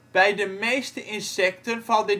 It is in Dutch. Bij de meeste insecten valt